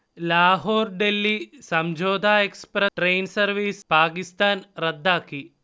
Lahore-Delhi Samjhauta express train service Pakistan റദ്ദാക്കി